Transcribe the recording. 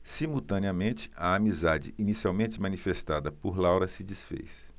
simultaneamente a amizade inicialmente manifestada por laura se disfez